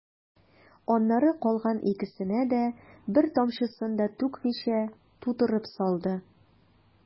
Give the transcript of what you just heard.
Аннары калган икесенә дә, бер тамчысын да түкмичә, тутырып салды.